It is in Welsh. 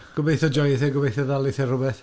Gobeithio joith e, gobeithio ddalith e rywbeth...